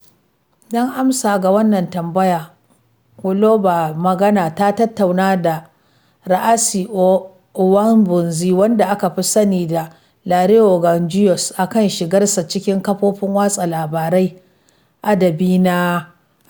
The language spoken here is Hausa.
Don amsa ga wannan tambaya, Global Voices ta tattauna da Réassi Ouabonzi, wanda aka fi sani da Lareus Gangoueus, akan shigarsa cikin kafofin watsa labarun adabi na Afirka.